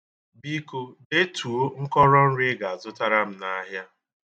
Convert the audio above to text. Biko, detuo nkọrọnri ị ga-azụtara m n'ahịa.